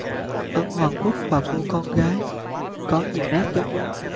ưng hoàng phúc và cô con gái có nhiều nét giống bố